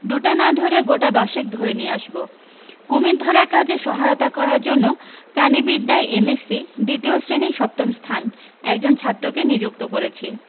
দুটা না ধরে গোটা দশেক ধরে নিয়ে আসব কুমীর ধরার কাজে সহায়তা করার জন্য প্রাণীবিদ্যায় এম এস সি দ্বিতীয় শ্রেণী সপ্তম স্থান একজন ছাত্রকে নিযুক্ত করেছি